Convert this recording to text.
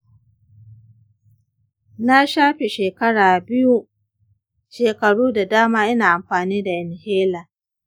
na shafe shekaru da dama ina amfani da inhaler.